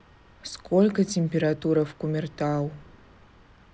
сколько температура в кумертау